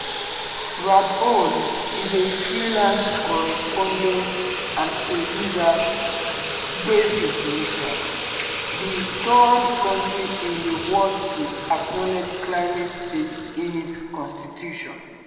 Radhouane is a freelance correspondent and producer based in Tunisia, the third country in the world to acknowledge climate change in its Constitution.